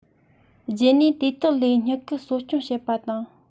རྗེས ནས དེ དག ལས མྱུ གུ གསོ སྐྱོང བྱེད པ དང